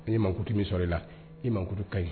N ye makuti min sɔrɔ i la i maku ka ɲi